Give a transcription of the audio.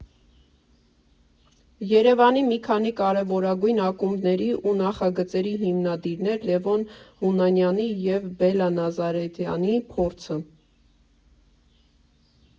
Երևանի մի քանի կարևորագույն ակումբների ու նախագծերի հիմնադիրներ Լևոն Հունանյանի և Բելլա Նազարեթյանի փորձը։